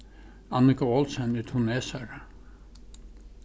annika olsen er tunesari